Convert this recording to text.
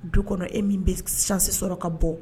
Du kɔnɔ e min bɛ sansi sɔrɔ ka bɔ